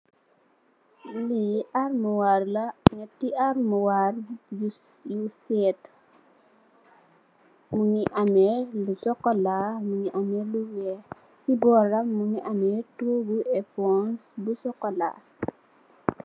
Le armuwal la neety armuwal yu setu mugi ameh lu sokolaa mu nge ameh lu weyh si boram mu nge ameh togu emong bu sokolaa.